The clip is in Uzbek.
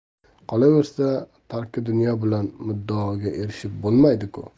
qolaversa tarki dunyo bilan muddaoga erishib bo'lmaydi ku